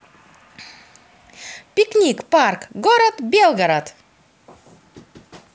пикник парк город белгород